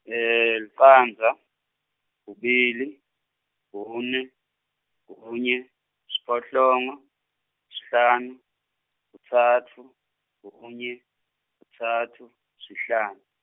licandza kubili kune kunye siphohlongo sihlanu kutsatfu kunye kutsatfu sihlanu.